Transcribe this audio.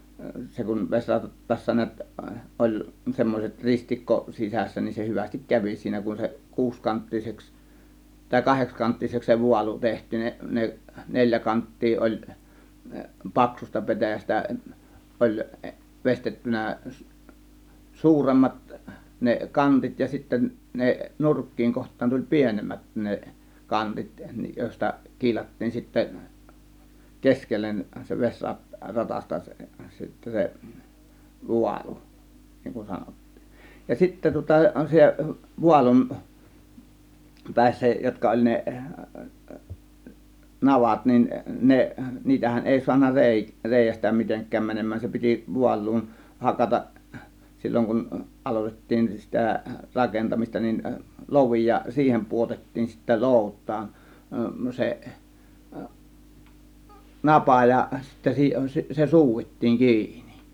se kun vesirattaassa näet oli semmoiset ristikko sisässä niin se hyvästi kävi siinä kun se kuusikanttiseksi tai kahdeksankanttiseksi se vaalu tehtiin -- neljä kanttia oli paksusta petäjästä oli veistettynä suuremmat ne kantit ja sitten ne nurkkien kohtaan tuli pienemmät ne kantit joista kiilattiin sitten keskelle se - vesiratasta se sitten se vaalu niin kuin sanottiin ja sitten tuota se vaalun päissä jotka oli ne navat niin ne niitähän ei saanut - reiästä mitenkään menemään se piti vaaluun hakata silloin kun aloitettiin sitä rakentamista niin lovi ja siihen pudotettiin sitten loutaan se napa ja sitten - se suudittiin kiinni